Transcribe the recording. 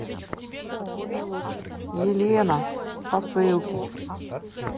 елена посылки